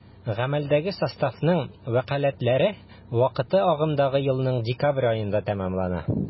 Гамәлдәге составның вәкаләтләре вакыты агымдагы елның декабрь аенда тәмамлана.